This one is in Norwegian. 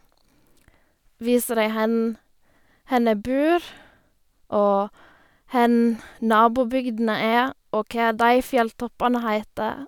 Vise dem hen hen jeg bor, og hen nabobygdene er, og hva de fjelltoppene heter.